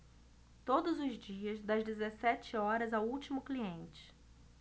todos os dias das dezessete horas ao último cliente